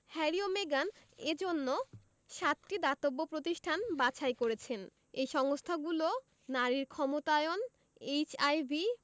Harry ও মেগান এ জন্য সাতটি দাতব্য প্রতিষ্ঠান বাছাই করেছেন এই সংস্থাগুলো নারীর ক্ষমতায়ন এইচআইভি